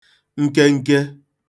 nkenke